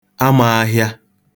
amāāhịā